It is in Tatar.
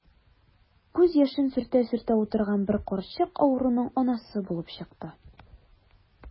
Күз яшен сөртә-сөртә утырган бер карчык авыруның анасы булып чыкты.